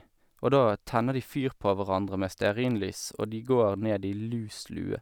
Og da tenner de fyr på hverandre med stearinlys, og de går ned i lus lue.